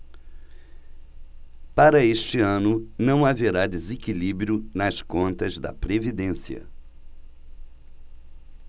para este ano não haverá desequilíbrio nas contas da previdência